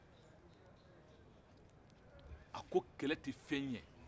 a ko kɛlɛ tɛ fɛn ɲɛ